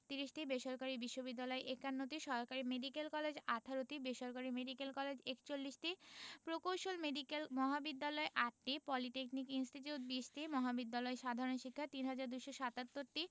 ৩১টি বেসরকারি বিশ্ববিদ্যালয় ৫১টি সরকারি মেডিকেল কলেজ ১৮টি বেসরকারি মেডিকেল কলেজ ৪১টি প্রকৌশল মেডিকেল মহাবিদ্যালয় ৮টি পলিটেকনিক ইনস্টিটিউট ২০টি মহাবিদ্যালয় সাধারণ শিক্ষা ৩হাজার ২৭৭টি